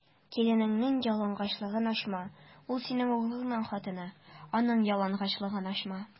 Киленеңнең ялангачлыгын ачма: ул - синең углыңның хатыны, аның ялангачлыгын ачма.